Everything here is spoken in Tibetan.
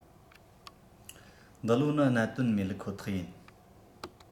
འདི ལོ ནི གནད དོན མེད ཁོ ཐག ཡིན